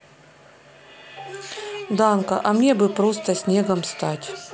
данко а мне бы просто снегом стать